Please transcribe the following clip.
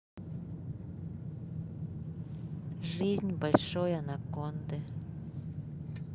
жизнь большой анаконды